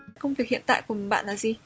công việc hiện tại của bạn là gì